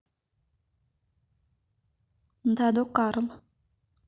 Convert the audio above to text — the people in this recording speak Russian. даду карл